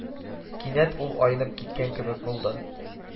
Кинәт ул айнып киткән кебек булды